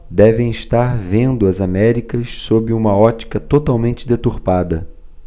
devem estar vendo as américas sob uma ótica totalmente deturpada